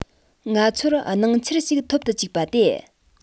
ང ཚོར སྣང འཆར ཞིག ཐོབ ཏུ བཅུག པ དེ